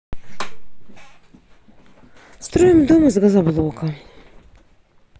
строим дом из газоблока